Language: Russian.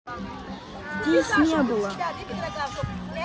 здесь не было